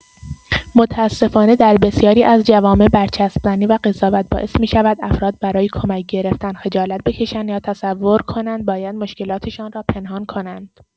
متأسفانه در بسیاری از جوامع، برچسب‌زنی و قضاوت باعث می‌شود افراد برای کمک گرفتن خجالت بکشند یا تصور کنند باید مشکلاتشان را پنهان کنند.